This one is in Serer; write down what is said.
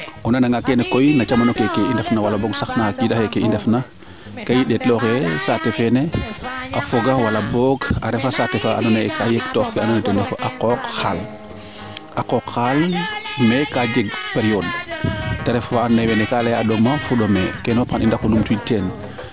o nana nga keene koy no camano keeke i ndef na wala bog sax naxa kiida xene i ndef na kaa i ndeet looxe saate feene a foga wala boog a refa saate fa ando naye yip toox ke ando naye ten ref a qooq xaal a qooq xaal ande ka jeg periode te ref wa ando naye wene kaa leya a ɗoma fo ɗome keene fop xa i ndako numtu wiid teen `